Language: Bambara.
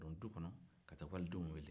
ka don duw kɔnɔ ka waledenw wele